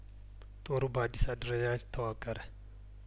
ጦሩ በአዲስ አደረጃጀት ተዋቀረ